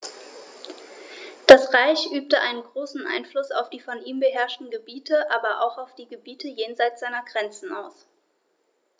Das Reich übte einen großen Einfluss auf die von ihm beherrschten Gebiete, aber auch auf die Gebiete jenseits seiner Grenzen aus.